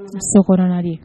Muso dɛ